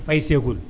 fay see gul